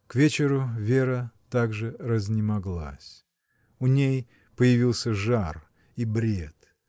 К вечеру Вера также разнемоглась. У ней появился жар и бред.